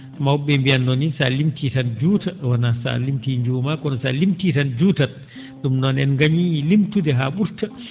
maw?e mbiyatnoo ni so a limtii tan juutat wonaa so a limtii njuumaaa kono so a limtii tan juutat ?um noon en ngañii limude haa ?urta